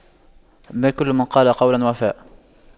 ما كل من قال قولا وفى